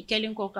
I kelen kɔ kan